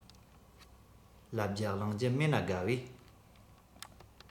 ལབ རྒྱུ གླེང རྒྱུ མེད ན དགའ བས